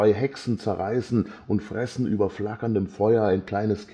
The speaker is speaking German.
Hexen zerreißen und fressen über flackerndem Feuer ein kleines Kind